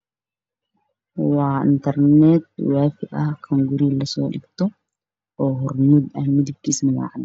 Waxaa ii muuqda wife hormuud oo midabkiisa haye caddaan waxaa ku sawiran hormuud waana wafi